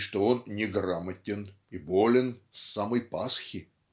что он неграмотен и болен с самой Пасхи".